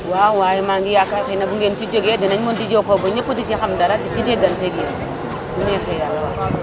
waaw waaye maa ngi yaakaar xëy na bu ngeen ci jógee danañ mën di jokkoo ba ñëpp di si xam dara di si dégganteeg yéen bu neexee yàlla